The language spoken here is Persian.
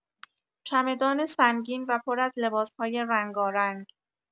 چمدان سنگین و پر از لباس‌های رنگارنگ